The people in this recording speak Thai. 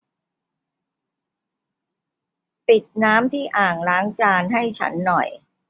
ปิดน้ำที่อ่างล้างจานให้ฉันหน่อย